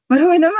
Ma rhwun yma!